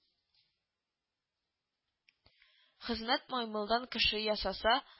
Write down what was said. Хезмәт маймылдан кеше ясаса